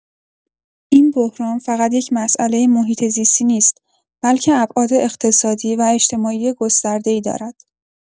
این بحران فقط یک مسئله محیط زیستی نیست، بلکه ابعاد اقتصادی و اجتماعی گسترده‌ای دارد.